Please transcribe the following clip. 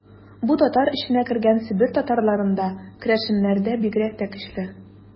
Бу татар эченә кергән Себер татарларында, керәшеннәрдә бигрәк тә көчле.